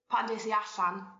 pan des i allan